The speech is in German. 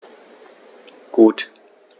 Gut.